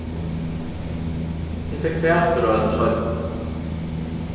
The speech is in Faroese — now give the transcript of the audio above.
eg fekk fatur á henni seinni